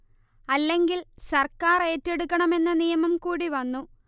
അല്ലെങ്കിൽ സർക്കാറേറ്റെടുക്കണം എന്ന നിയമം കൂടി വന്നു